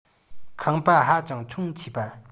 ཁང པ ཧ ཅང ཆུང ཆེས པ